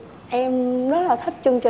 em rất là thích chương